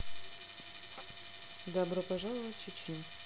добро пожаловать в чечню